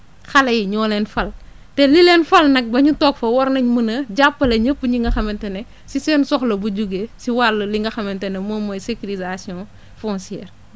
xale yi ñoo leen fal te li leen fal nag ba ñu toog fa war nañ mën a jàppale ñëpp ñi nga xamante ne si seen soxla bu jugee si wàllu li nga xamante ne moom mooy sécurisation foncière